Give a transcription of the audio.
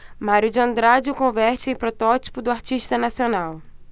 mário de andrade o converte em protótipo do artista nacional